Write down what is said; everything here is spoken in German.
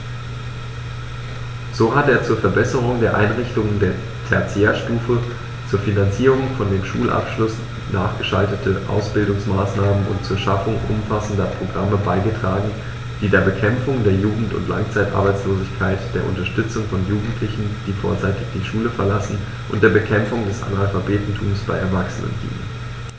So hat er zur Verbesserung der Einrichtungen der Tertiärstufe, zur Finanzierung von dem Schulabschluß nachgeschalteten Ausbildungsmaßnahmen und zur Schaffung umfassender Programme beigetragen, die der Bekämpfung der Jugend- und Langzeitarbeitslosigkeit, der Unterstützung von Jugendlichen, die vorzeitig die Schule verlassen, und der Bekämpfung des Analphabetentums bei Erwachsenen dienen.